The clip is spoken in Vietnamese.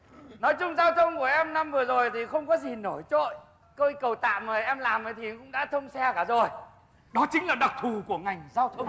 nói chung giao thông của em năm vừa rồi thì không có gì nổi trội cây cầu tạm em làm thì cũng đã thông xe cả rồi đó chính là đặc thù của ngành giao thông